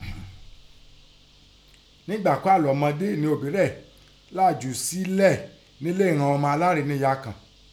Níngbà kọ́ hà lọ́mọdé nìghọn òbí rẹ̀ làa jù ú sẹ́lẹ̀ nílé ìghọn ọmọ alárìníyàá kàn.